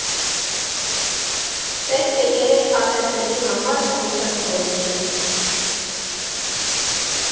Պետք է երեք փաթեթների համար կոնցեպտ հորինեինք։